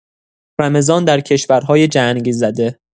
رمضان در کشورهای جنگ‌زده